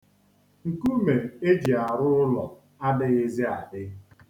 Nkume e ji arụ ụlọ adịghịzị adị.